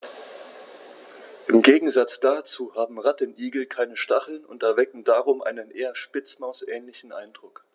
Im Gegensatz dazu haben Rattenigel keine Stacheln und erwecken darum einen eher Spitzmaus-ähnlichen Eindruck.